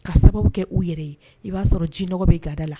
Ka sababu kɛ u yɛrɛ i b'a sɔrɔ jiɔgɔ bɛ gada la